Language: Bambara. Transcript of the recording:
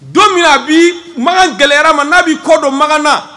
Don min a bɛ makan gɛlɛyara ma n'a'i kɔ dɔn makan na